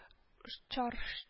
Чарш